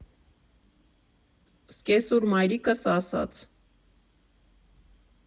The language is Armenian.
Սկեսուր մայրիկս ասաց.